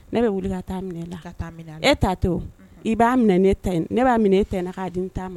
Ne bɛ wuli to i b'a minɛ ne'a minɛ n di ma